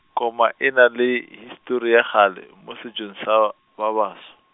koma ena le histori ya kgale mo setšong sa ba, babaso.